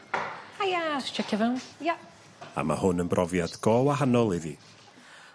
Hia. Hia. Jyst checio fewn. Ia. A ma' hwn yn brofiad go wahanol iddi.